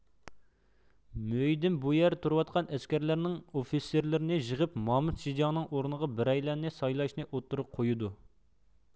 مۆيدىن بۇيەردە تۇرۇۋاتقان ئەسكەرلەرنىڭ ئوفىتسېرلىرىنى يىغىپ مامۇت سىجاڭنىڭ ئورنىغا بىرەيلەننى سايلاشنى ئوتتۇرىغا قويىدۇ